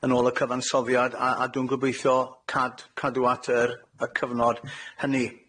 -yn ôl y cyfansoddiad, a a dw'n gobeithio cad- cadw at yr y cyfnod hynny.